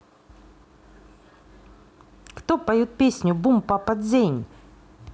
кто поет песню бум папа дзень